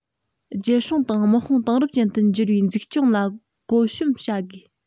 རྒྱལ སྲུང དང དམག དཔུང དེང རབས ཅན དུ འགྱུར བའི འཛུགས སྐྱོང ལ བཀོད གཤོམ བྱ དགོས